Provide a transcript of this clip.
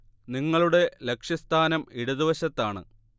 നിങ്ങളുടെ ലക്ഷ്യസ്ഥാനം ഇടതുവശത്താണ്